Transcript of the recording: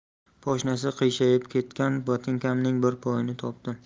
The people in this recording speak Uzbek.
poshnasi qiyshayib ketgan botinkamning bir poyini topdim